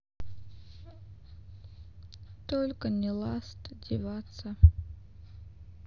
только не last деваться